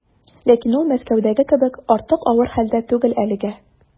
Ләкин ул Мәскәүдәге кебек артык авыр хәлдә түгел әлегә.